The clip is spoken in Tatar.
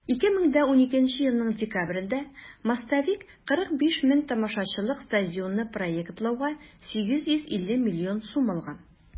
2012 елның декабрендә "мостовик" 45 мең тамашачылык стадионны проектлауга 850 миллион сум алган.